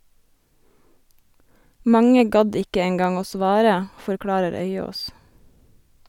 Mange gadd ikke engang å svare, forklarer Øyaas.